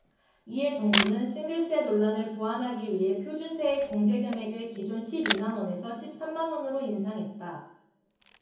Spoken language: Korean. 이에 정부는 싱글세 논란을 보완하기 위해 표준세액 공제금액을 기존 십 이 만원에서 십 삼 만원으로 인상했다